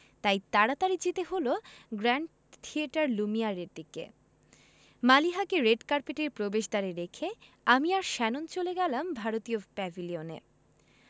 তাই তাড়াতাড়ি যেতে হলো গ্র্যান্ড থিয়েটার লুমিয়ারের দিকে মালিহাকে রেড কার্পেটের প্রবেশদ্বারে রেখে আমি আর শ্যানন চলে গেলাম ভারতীয় প্যাভিলিয়নে